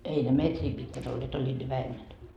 ei ne metriä pitkät olleet olivat ne vähemmän